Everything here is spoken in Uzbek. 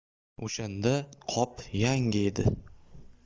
o'shanda qop yangi edi